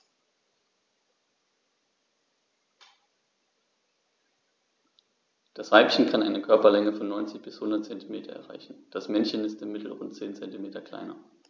Das Weibchen kann eine Körperlänge von 90-100 cm erreichen; das Männchen ist im Mittel rund 10 cm kleiner.